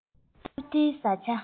སྟབས བདེའི བཟའ བཅའ